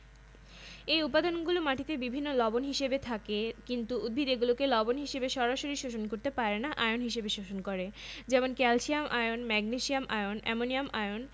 এদের যেকোনো একটির অভাব হলে উদ্ভিদে তার অভাবজনিত লক্ষণ দেখা দেয় এবং পুষ্টির অভাবজনিত রোগের সৃষ্টি হয় একটি অত্যাবশ্যকীয় উপাদানের কাজ অপরটি দিয়ে সম্পন্ন হয় না